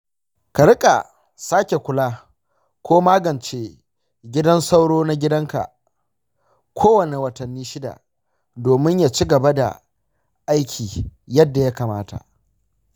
ka riƙa sake kula ko magance gidan sauro na gadonka kowane watanni shida domin ya ci gaba da aiki yadda ya kamata.